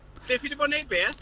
Beth fi 'di bo'n wneud beth?